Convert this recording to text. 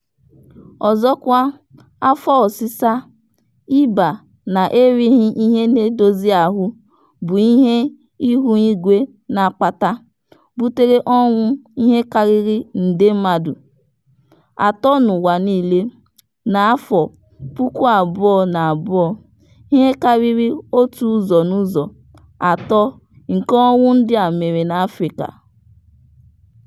Ọzọkwa, afọ ọsịsa, ịba na erighị ihe na-edozi ahụ, bụ ihe ihuigwe na-akpata, butere ọnwụ ihe karịrị nde mmadụ 3 n'ụwa niile na 2002; ihe karịrị otu ụzọ n'ụzọ atọ nke ọnwụ ndị a mere n'Afrịka.